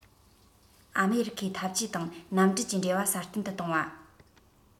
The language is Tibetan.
ཨ མེ རི ཁའི འཐབ ཇུས དང མནའ འབྲེལ གྱི འབྲེལ བ སྲ བརྟན དུ གཏོང བ